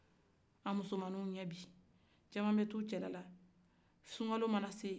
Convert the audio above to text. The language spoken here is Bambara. an musomani ɲɛ bin cama bɛ taa u cɛlala sunkalo manasen